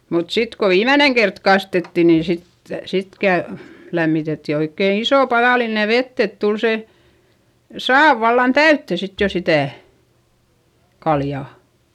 mutta sitten kun viimeinen kerta kastettiin niin sitten sitten - lämmitettiin oikein iso padallinen vettä että tuli se saavi vallan täyteen sitten jo sitä kaljaa